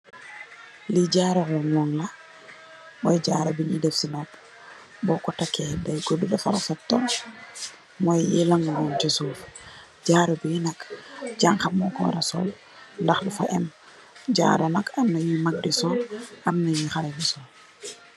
Li jaru lonlon la, moy jaru bi ñi def ci nopuh. Boko takéé day guddu dafay rafet torop, moy yi lang ci suuf. Jaru yi nak janxa moko wara sol ndax dafa éém. Jaru nak am na yi mak di sol am na yi xalèh di sol.